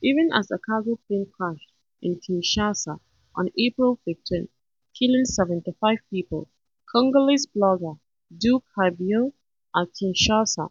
Even as a cargo plane crashed in Kinshasa on April 15 killing 75 people, Congolese blogger Du Cabiau à Kinshasa,